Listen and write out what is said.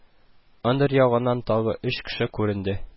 Ындыр ягыннан тагы өч кеше күренде